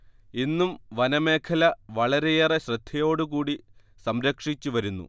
ഇന്നും വനമേഖല വളരെയേറെ ശ്രദ്ധയോടുകൂടി സംരക്ഷിച്ചു വരുന്നു